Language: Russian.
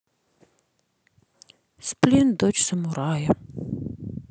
сплин дочь самурая